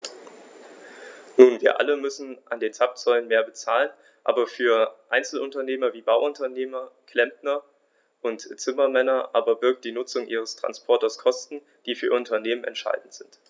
Nun wir alle müssen an den Zapfsäulen mehr bezahlen, aber für Einzelunternehmer wie Bauunternehmer, Klempner und Zimmermänner aber birgt die Nutzung ihres Transporters Kosten, die für ihr Unternehmen entscheidend sind.